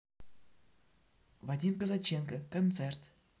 вадим казаченко концерт